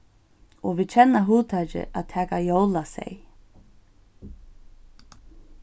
og vit kenna hugtakið at taka jólaseyð